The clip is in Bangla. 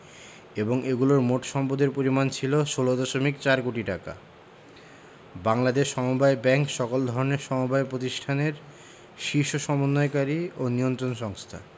এবং এগুলোর মোট সম্পদের পরিমাণ ছিল ১৬দশমিক ৪ কোটি টাকা বাংলাদেশ সমবায় ব্যাংক সকল ধরনের সমবায় প্রতিষ্ঠানের শীর্ষ সমন্বয়কারী ও নিয়ন্ত্রণ সংস্থা